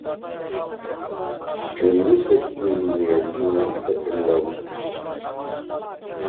ฉันรู้สึกวิงเวียนเหมือนจะเป็นลม